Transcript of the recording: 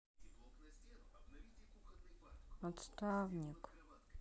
отставник